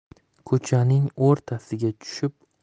ko'chaning o'rtasiga tushib